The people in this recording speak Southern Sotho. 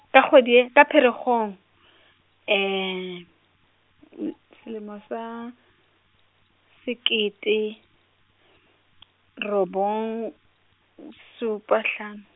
ka kgwedi e, ka Pherekgong , selemo sa, sekete , robong, supa hlano.